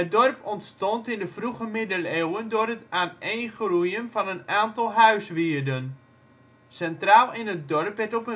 dorp ontstond in de vroege middeleeuwen door het aaneengroeien van een aantal huiswierden. Centraal in het dorp werd op